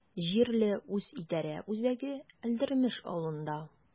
Җирле үзидарә үзәге Әлдермеш авылында.